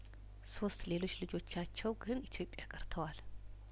ሶስት ሌሎች ልጆቻቸው ግን ኢትዮጵያ ቀርተዋል